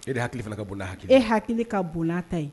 E de ye hakili fila ka boli ha e hakili ka boli ta ye